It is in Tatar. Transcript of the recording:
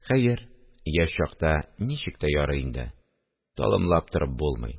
– хәер, яшь чакта ничек тә ярый инде, талымлап торып булмый